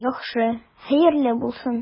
Яхшы, хәерле булсын.